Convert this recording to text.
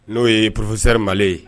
N'o ye poropsɛri malile ye